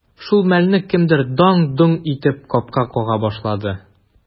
Шул мәлне кемдер даң-доң итеп капка кага башлады.